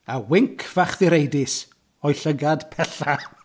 A winc fach ddireidus o'i llygad pella'.